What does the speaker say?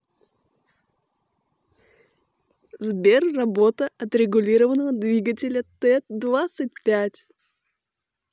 сбер работа отрегулированного двигателя т двадцать пять